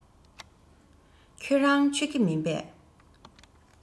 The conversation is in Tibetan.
ཁྱོད རང མཆོད ཀྱི མིན པས